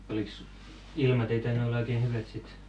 olikos ilmat ei tainnut olla oikein hyvät sitten